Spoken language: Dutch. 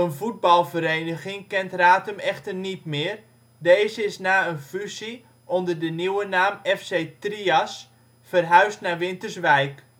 voetbalvereniging kent Ratum echter niet meer, deze is na een fusie onder de nieuwe naam FC Trias verhuisd naar Winterswijk